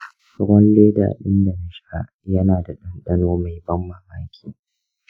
ruwan leda ɗin da na sha yana da ɗanɗano mai ban mamaki.